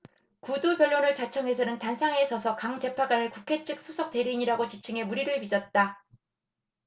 구두변론을 자청해서는 단상에 서서 강 재판관을 국회 측 수석대리인이라고 지칭해 물의를 빚었다